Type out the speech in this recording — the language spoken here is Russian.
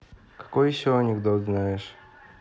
какой еще анекдот знаешь